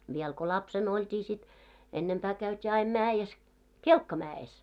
vielä kun lapsena oltiin sitten ennempää käytiin aina mäessä kelkkamäessä